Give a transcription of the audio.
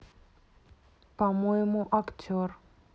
по моему актер